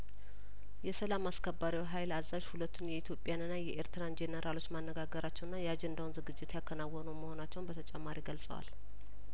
የሰላም አስከባሪው ሀይል አዛዥ ሁለቱን የኢትዮጵያንና የኤርትራን ጄኔራሎች ማነጋገራቸውንና የአጀንዳውን ዝግጅት ያከናወኑ መሆናቸውን በተጨማሪ ገልጸዋል